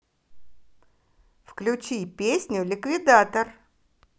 включи песню ликвидатор